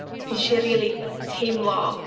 Wnes i rili teimlo...